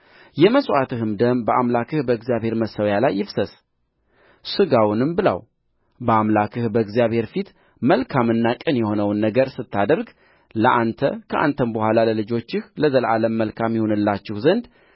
የመሥዋዕትህም ደም በአምላክህ በእግዚአብሔር መሠዊያ ላይ ይፍሰስ ሥጋውንም ብላው በአምላክህ በእግዚአብሔር ፊት መልካምና ቅን የሆነውን ነገር ስታደርግ ለአንተ ከአንተም በኋላ ለልጆችህ ለዘላለም መልካም ይሆንላችሁ ዘንድ